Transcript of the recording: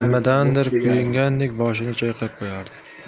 nimadandir koyingandek boshini chayqab qo'yardi